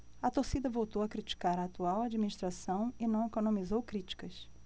a torcida voltou a criticar a atual administração e não economizou críticas